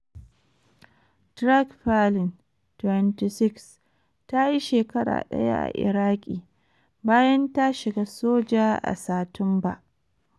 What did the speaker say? Track Palin, 26, ta yi shekara daya a Iraki bayan ta shiga soja a Satumba.